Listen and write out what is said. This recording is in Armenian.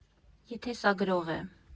Եթե սա գրող է։